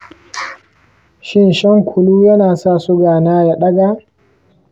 shin shan kunu ya na sa suga na ya ɗaga?